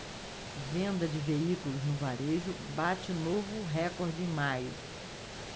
venda de veículos no varejo bate novo recorde em maio